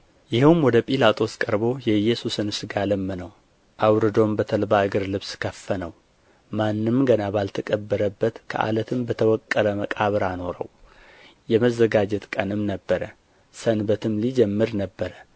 ይኸውም ወደ ጲላጦስ ቀርቦ የኢየሱስን ሥጋ ለመነው አውርዶም በተልባ እግር ልብስ ከፈነው ማንም ገና ባልተቀበረበት ከዓለትም በተወቀረ መቃብር አኖረው የመዘጋጀት ቀንም ነበረ ሰንበትም ሊጀምር ነበረ